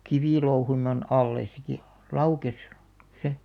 kivilouhonnan alle se - laukesi se